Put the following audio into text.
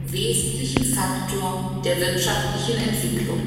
wesentlichen Faktor der wirtschaftlichen Entwicklung